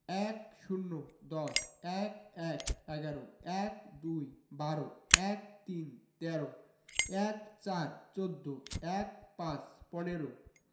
১০ দশ ১১ এগারো ১২ বারো ১৩ তেরো ১৪ চৌদ্দ ১৫ পনেরো